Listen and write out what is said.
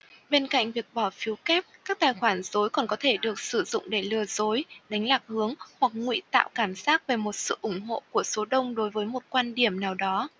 bên cạnh việc bỏ phiếu kép các tài khoản rối còn có thể được sử dụng để lừa dối đánh lạc hướng hoặc ngụy tạo cảm giác về một sự ủng hộ của số đông đối với một quan điểm nào đó